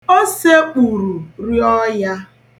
O sekpuru, rịọ ya.